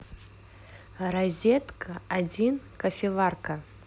розетка один кофеварка